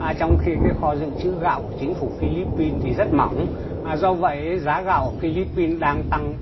trong khi các kho dự trữ gạo của chính phủ phi líp pin thì rất mỏng do vậy giá gạo ở phi líp pin đang tăng